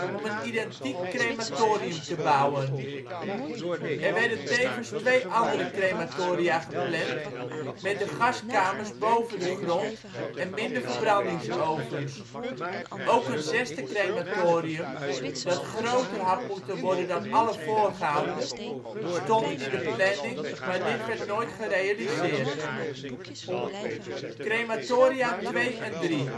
om een identiek crematorium te bouwen. Er werden tevens twee andere crematoria gepland, met de gaskamers boven de grond en minder verbrandingsovens. Ook een zesde crematorium, dat groter had moeten worden dan alle voorgaande, stond in de planning, maar dit werd nooit gerealiseerd. Overblijfselen van crematorium II Crematoria II en III